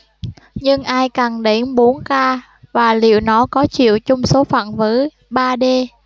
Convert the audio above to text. nhưng ai cần đến bốn k và liệu nó có chịu chung số phận với ba d